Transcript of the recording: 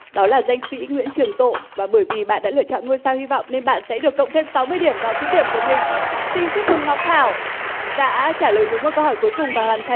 đó là danh sĩ nguyễn trường tộ và bởi vì bạn đã lựa chọn ngôi sao hy vọng nên bạn sẽ được cộng thêm sáu mươi điểm vào quỹ điểm của mình xin chúc mừng ngọc thảo đã trả lời đúng câu hỏi cuối cùng và hoàn thành